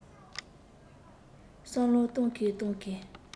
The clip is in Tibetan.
བསམ བློ གཏོང གིན གཏོང གིན